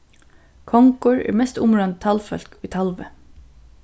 kongur er mest umráðandi talvfólk í talvi